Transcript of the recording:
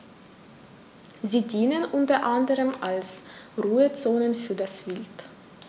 Sie dienen unter anderem als Ruhezonen für das Wild.